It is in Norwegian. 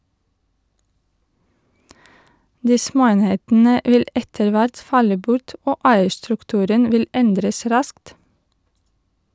De småenhetene vil etter hvert falle bort og eierstrukturen vil endres raskt.